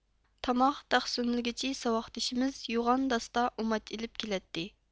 تاماق تەقسىملىگۈچى ساۋاقدىشىمىز يوغان داستا ئۇماچ ئېلىپ كېلەتتى